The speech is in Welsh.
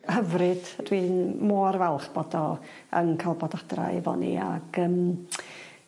Hyfryd dwi'n mor falch bod o yn ca'l bod adra efo ni ag yym